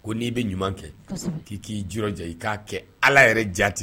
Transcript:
Ko n'i bɛ ɲuman kɛ k'i k'i juru jɔ i k'a kɛ ala yɛrɛ jateti